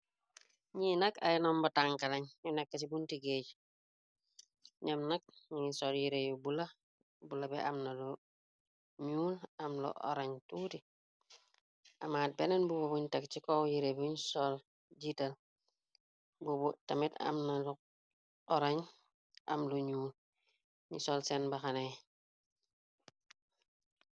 Ni nak ay nomba tankalañ ñu nekka ci buñtiggée , yi ñam nak ñiy sol yiréeyu bulo , bulo bi amna lu ñuul am lu orañ tuuti , amaat beneen mbuba buñ tag ci kow yirée buñ sol jiital, mbubu tamit amna lu orañ ,am lu ñuul ñi sol seen baxaneye.